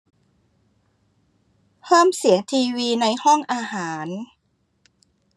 เพิ่มเสียงทีวีในห้องอาหาร